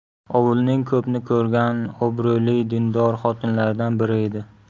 ovulning ko'pni ko'rgan obro'li dindor xotinlaridan biri edi